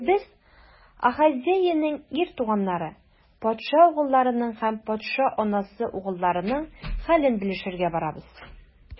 Без - Ахазеянең ир туганнары, патша угылларының һәм патша анасы угылларының хәлен белешергә барабыз.